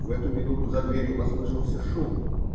В эту минуту за дверью послышался шум.